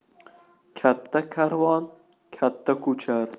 katta karvon katta ko'char